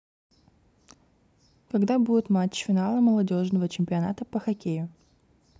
когда будет матч финала молодежного чемпионата по хоккею